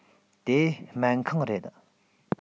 དེ སྨན ཁང རེད